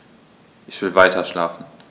Ich will weiterschlafen.